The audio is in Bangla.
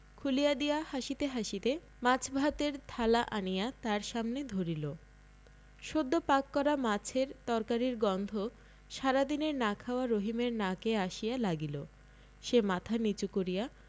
খুলিয়া দিয়া হাসিতে হাসিতে মাছ ভাতের থালা আনিয়া তাহার সামনে ধরিল সদ্য পাক করা মাছের তরকারির গন্ধ সারাদিনের না খাওয়া রহিমের নাকে আসিয়া লাগিল সে মাথা নীচু করিয়া